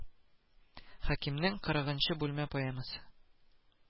Хәкимнең Кырыгынчы бүлмә поэмасы